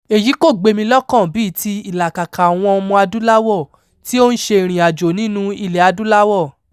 Èyí kò gbé mi lọ́kàn bíi ti ìlàkàkà àwọn ọmọ-adúláwọ̀ tí ó ń ṣe ìrìnàjò nínúu ilẹ̀-adúláwọ̀.